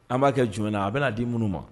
An b'a kɛ joona na a bɛna na di minnu ma